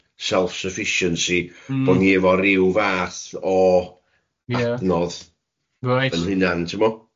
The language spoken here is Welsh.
self-sufficiency... Mm... bo' ni efo ryw fath o... Ia... adnodd... reit... 'yn hunan t'mo'.